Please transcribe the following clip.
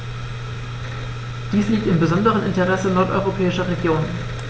Dies liegt im besonderen Interesse nordeuropäischer Regionen.